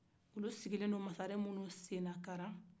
olu sigilen bɛ masaren minu sen na karan